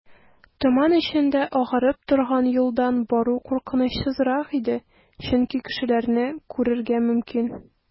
Томан эчендә агарып торган юлдан бару куркынычсызрак иде, чөнки кешеләрне күрергә мөмкин.